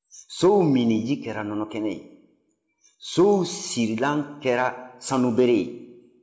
sow minniji kɛra nɔnɔ kɛnɛ ye sow sirilan kɛra sanubere ye